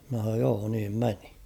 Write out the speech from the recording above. minä sanoin joo niin meni